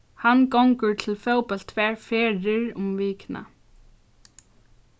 hann gongur til fótbólt tvær ferðir um vikuna